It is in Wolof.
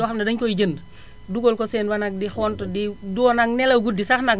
yoo xam ne dañu koy jënd dugal ko seen wanag di xont di doo nag nelaw guddi sax nag